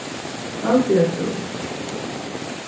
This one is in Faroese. hvalbiar skúli